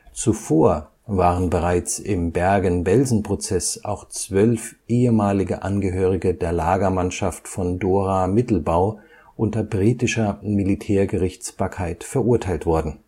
Zuvor waren bereits im Bergen-Belsen-Prozess auch zwölf ehemalige Angehörige der Lagermannschaft von Dora-Mittelbau unter britischer Militärgerichtsbarkeit verurteilt worden